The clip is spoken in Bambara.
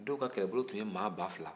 dɔw ka kɛlɛbolo tun ye maa ba fila